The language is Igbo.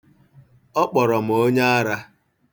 Ọ kpọrọ m onye ara.